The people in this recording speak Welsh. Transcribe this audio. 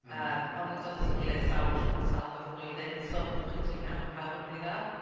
Mm... yym, o'n ni'n dod at ein gilydd sawl dr- sawl gwaith y flwyddyn, so o'ch chi'n dod i nabod pawb yn rili dda.